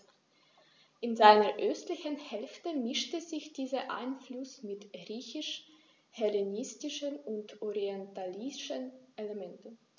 In seiner östlichen Hälfte mischte sich dieser Einfluss mit griechisch-hellenistischen und orientalischen Elementen.